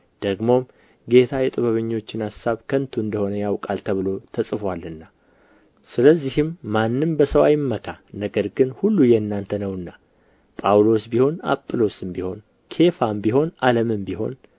ደግሞም ጌታ የጥበበኞችን አሳብ ከንቱ እንደ ሆነ ያውቃል ተብሎ ተጽፎአልና ስለዚህም ማንም በሰው አይመካ ነገር ሁሉ የእናንተ ነውና ጳውሎስ ቢሆን አጵሎስም ቢሆን ኬፋም ቢሆን ዓለምም ቢሆን